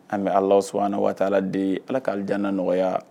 An bɛ ala sɔn an waa de ala k'ale janana nɔgɔya